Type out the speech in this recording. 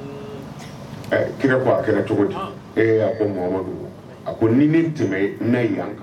Ɛ kira ko a kɛra cogodi ee a ko Mohamadu a ko ni ne tɛmɛ y na yan ka